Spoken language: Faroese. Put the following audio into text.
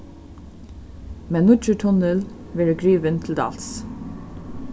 men nýggjur tunnil verður grivin til dals